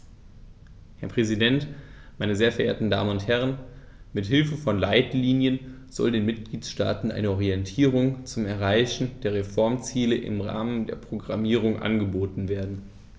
Herr Präsident, meine sehr verehrten Damen und Herren, mit Hilfe von Leitlinien soll den Mitgliedstaaten eine Orientierung zum Erreichen der Reformziele im Rahmen der Programmierung angeboten werden.